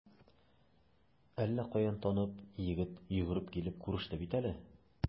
Әллә каян танып, егет йөгереп килеп күреште бит әле.